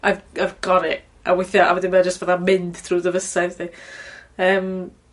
I've I've gor 'i. A weithia' a wedyn mae jyst fatha mynd trwy dy fysedd di. Yym.